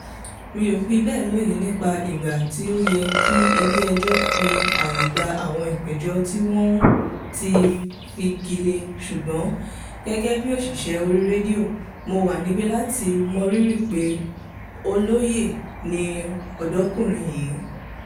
Mi ò fi bẹ́ẹ̀ lóye nípa ìgbà tí ó yẹ kí ilé ẹjọ́ fi àyè gba àwọn ìpẹ̀jọ́ tí wọn ti fagilé ṣùgbọ́n, gẹ́gẹ́ bíi òṣìṣẹ́ orí rédíò, mọ wà níbí láti mọrírì pé olóyè ni ọ̀dọ́kùnrin yìí.